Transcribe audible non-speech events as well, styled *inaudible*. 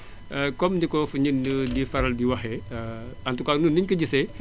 *hesitation* comme ni ko fi ninn *hesitation* *noise* di faral di waxee *hesitation* en tout cas ñun niñu ko gisee